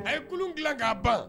A ye kulu dilan k'a ban